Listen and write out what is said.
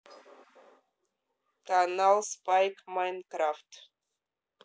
канал спайк майнкрафт